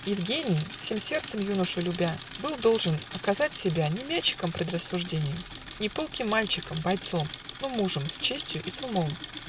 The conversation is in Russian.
Евгений, Всем сердцем юношу любя, Был должен оказать себя Не мячиком предрассуждений, Не пылким мальчиком, бойцом, Но мужем с честью и с умом.